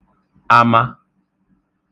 ama